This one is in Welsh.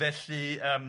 felly yym